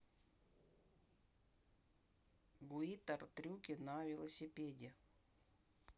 guitar трюки на велосипеде